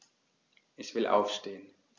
Ich will aufstehen.